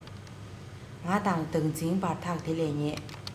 ང དང བདག འཛིན བར ཐག དེ ལས ཉེ